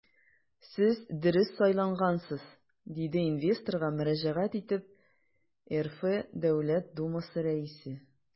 Сез дөрес сайлагансыз, - диде инвесторга мөрәҗәгать итеп РФ Дәүләт Думасы Рәисе.